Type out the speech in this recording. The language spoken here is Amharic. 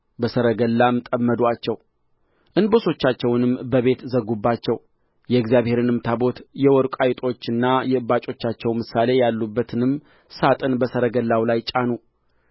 በሰረገላም ጠመዱአቸው እንቦሶቻቸውንም በቤት ዘጉባቸው የእግዚአብሔርም ታቦት የወርቁ አይጦችና የእባጮቻቸው ምሳሌ ያሉበትንም ሣጥን በሰረገላው ላይ ጫኑ